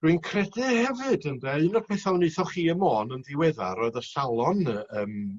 Rwy'n credu hefyd ynde un o'r petha wnaethoch chi ym Môn yn ddiweddar oedd y salon yy yym